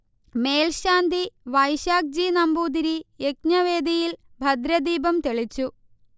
മേൽശാന്തി വൈശാഖ് ജി. നമ്പൂതിരി യജ്ഞവേദിയിൽ ഭദ്രദീപം തെളിച്ചു